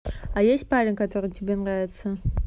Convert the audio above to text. а есть парень который тебе нравится